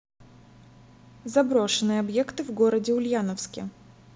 заброшенные объекты в городе ульяновске